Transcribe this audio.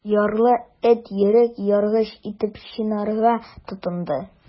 Яралы эт йөрәк яргыч итеп чинарга тотынды.